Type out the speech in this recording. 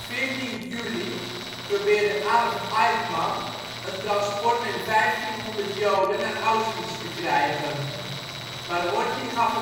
juli probeerde Adolf Eichmann een transport met 1500 Joden naar Auschwitz te krijgen, maar Horthy gaf